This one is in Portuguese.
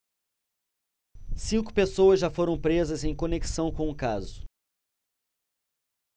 cinco pessoas já foram presas em conexão com o caso